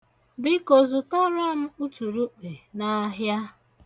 Biko zụtara m uturukpe n'ahịa.